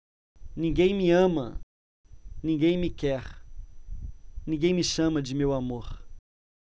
ninguém me ama ninguém me quer ninguém me chama de meu amor